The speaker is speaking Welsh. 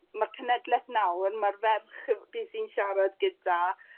ma'r cenedleth nawr, ma'r ferch yy fues i'n siarad gyda